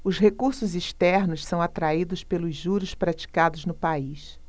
os recursos externos são atraídos pelos juros praticados no país